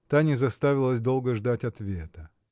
Та не заставила долго ждать ответа.